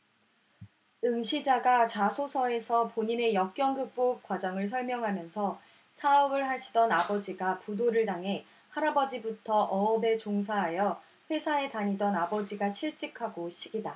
응시자가 자소서에서 본인의 역경 극복 과정을 설명하면서 사업을 하시던 아버지가 부도를 당해 할아버지부터 어업에 종사하여 회사에 다니던 아버지가 실직하고 식이다